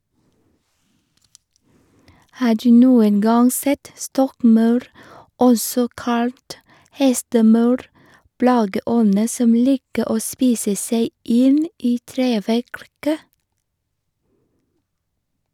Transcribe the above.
Har du noen gang sett stokkmaur, også kalt hestemaur, plageånden som liker å spise seg inn i treverket?